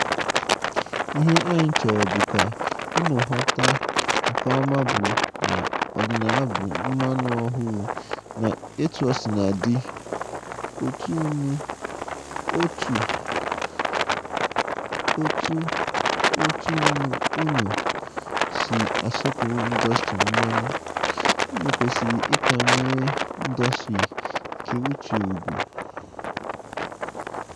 Ihe anyị chọrọ bụ ka unu ghọta nke ọma bụ na ọdịnaya bụ mmanụ ọhụrụ, ma etuosinadị otú unu si asọpụrụ ndọstrị mmanụ, unu kwesịrị ịkwanyere ndọstrị ekere uche ùgwù.